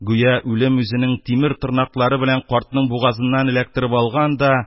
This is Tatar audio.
Гүя үлем үзенең тимер тырнаклары белән картның бугазыннан эләктереп алган да